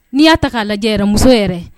N'i y'a ta k'a lajɛ yɛrɛ muso yɛrɛ